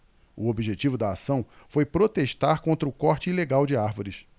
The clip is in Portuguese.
o objetivo da ação foi protestar contra o corte ilegal de árvores